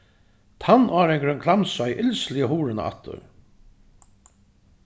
tannáringurin klamsaði ilsliga hurðina aftur